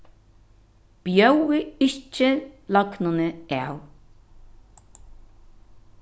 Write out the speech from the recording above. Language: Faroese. bjóðið ikki lagnuni av